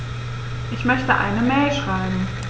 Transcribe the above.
Ich möchte eine Mail schreiben.